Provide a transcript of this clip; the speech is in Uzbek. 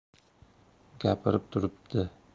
gapirib turibdi